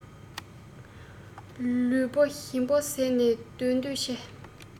ལུས པོ ཞིམ པོ བཟས ནས སྡོད འདོད ཆེ